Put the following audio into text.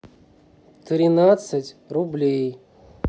тринадцать рублей